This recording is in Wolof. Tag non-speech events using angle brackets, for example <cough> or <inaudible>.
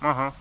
<hesitation> <hesitation>